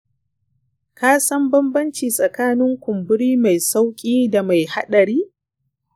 ka san bambanci tsakanin ƙumburi mai sauƙi da mai haɗari?